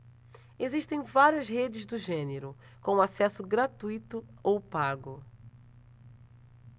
existem várias redes do gênero com acesso gratuito ou pago